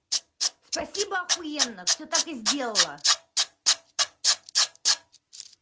спасибо охуенно все так и сделала